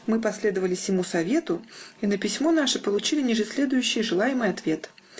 Мы последовали сему совету, и на письмо наше получили нижеследующий желаемый ответ.